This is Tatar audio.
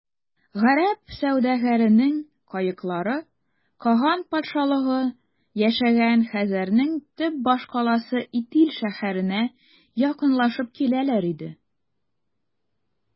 Гарәп сәүдәгәренең каеклары каган патшалыгы яшәгән хәзәрнең төп башкаласы Итил шәһәренә якынлашып киләләр иде.